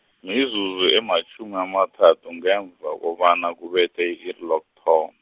mizuzu ematjhumi amathathu, ngemva kobana kubethe i-iri lokuthoma.